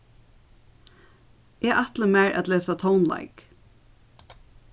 eg ætli mær at lesa tónleik